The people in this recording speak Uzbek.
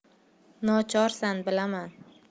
nochorsan bilaman